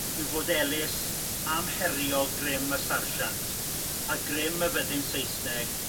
yw fod Elis am herio grym y sarjant a grym y fyddin Saesneg